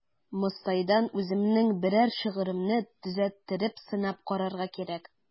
Мостайдан үземнең берәр шигыремне төзәттереп сынап карарга кирәк.